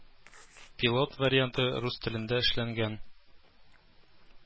Пилот варианты рус телендә эшләнгән